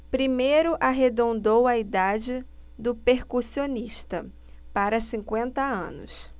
primeiro arredondou a idade do percussionista para cinquenta anos